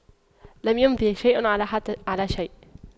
لم يمضي شيئا على حتى على شيء